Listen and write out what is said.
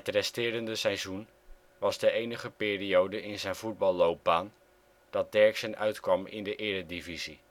resterende seizoen was de enige periode in zijn voetballoopbaan dat Derksen uitkwam in de Eredivisie